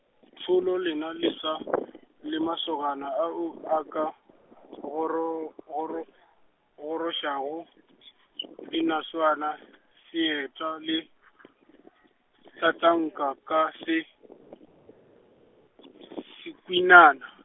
Tholo lena le sa , le masogana a o a ka, kgoro kgoro, kgoro swago, dinaswana , seeta le , tsatsanka ka se, s- sekhwinana.